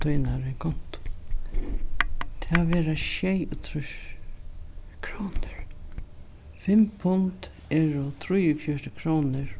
tínari kontu tað verða sjeyogtrýss krónur fimm pund eru trýogfjøruti krónur